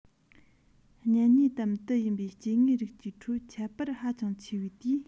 གཉེན ཉེ དམ དུ ཡིན པའི སྐྱེ དངོས རིགས ཀྱི ཁྲོད ཁྱད པར ཧ ཅང ཆེ བའི དུས